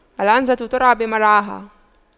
العنزة ترعى بمرعاها